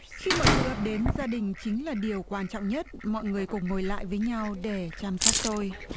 khi mọi thứ ấp đến gia đình chính là điều quan trọng nhất mọi người cùng ngồi lại với nhau để chăm sóc tôi